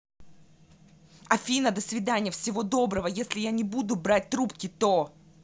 афина до свидания всего доброго если я не буду брать трубки то